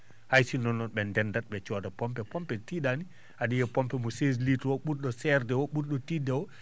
hay sinno noon ɓe ndendat ɓe cooda pompe pompe tiiɗaani aɗa yiya pompe mo 16 litres o ɓurɗo serde o ɓurɗo tiidde o